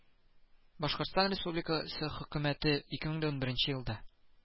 Башкортстан Республикасы Хөкүмәте ике мең унберенче елда